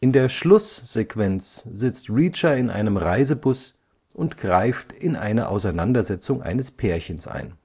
der Schlusssequenz sitzt Reacher in einem Reisebus und greift in eine Auseinandersetzung eines Pärchens ein